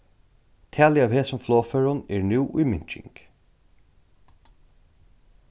talið av hesum flogførum er nú í minking